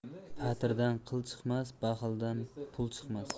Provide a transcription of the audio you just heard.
patirdan qil chiqmas baxildan pul chiqmas